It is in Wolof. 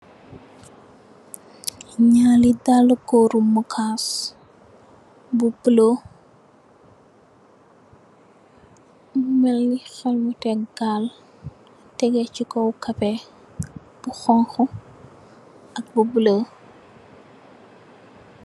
Nyarri dalla corum mukass bu bollo melni xelmete gaal tege ci kaw capet bu xonku ak bula.